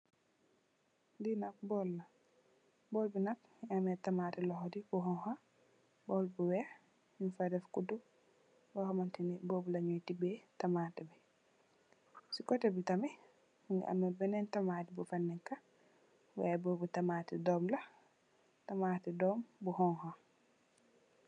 Li nak bowl la bowl bi nak mongi ame tamate lokoti bu xonxa bowl bu weex nyung fa def kodu bu xamantenx bobu lenyui tebe tamate bi si kote bi tamit mongi ame benen tamate bu fa neka y bobu tamit tamate dom la tamate dom bu xonxa.